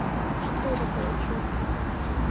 что такое чурки